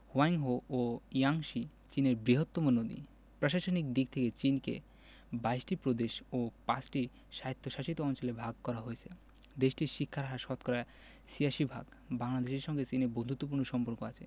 Hwang Ho ও Yangtze চীনের বৃহত্তম নদী প্রশাসনিক দিক থেকে চিনকে ২২ টি প্রদেশ ও ৫ টি স্বায়ত্তশাসিত অঞ্চলে ভাগ করা হয়েছে দেশটির শিক্ষার হার শতকরা ৮৬ ভাগ বাংলাদেশের সঙ্গে চীনের বন্ধুত্বপূর্ণ সম্পর্ক আছে